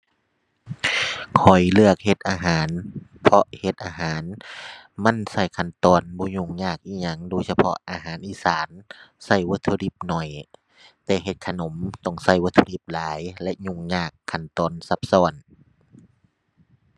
ข้อยเลือกเฮ็ดอาหาร เพราะเฮ็ดอาหารมันใช้ขั้นตอนบ่ยุ่งยากอิหยัง โดยเฉพาะอาหารอีสาน ใช้วัตถุดิบน้อย แต่เฮ็ดขนมต้องใช้วัตถุดิบหลายและยุ่งยาก ขั้นตอนซับซ้อน